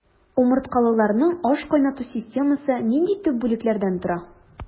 Умырткалыларның ашкайнату системасы нинди төп бүлекләрдән тора?